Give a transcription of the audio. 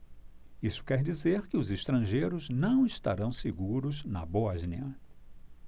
isso quer dizer que os estrangeiros não estarão seguros na bósnia